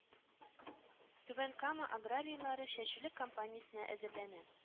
Түбән Кама аграрийлары чәчүлек кампаниясенә әзерләнә